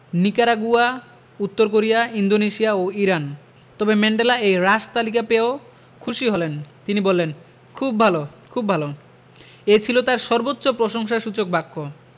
Nicaragua উত্তর Korea Indonesia ও Iran তবে ম্যান্ডেলা এই হ্রাস তালিকা পেয়েও খুশি হলেন তিনি বললেন খুব ভালো খুব ভালো এ ছিল তাঁর সর্বোচ্চ প্রশংসাসূচক বাক্য